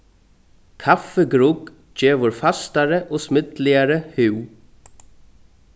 kaffigrugg gevur fastari og smidligari húð